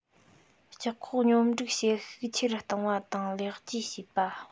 སྤྱི ཁོག སྙོམས སྒྲིག བྱེད ཤུགས ཆེ རུ བཏང བ དང ལེགས བཅོས བྱས པ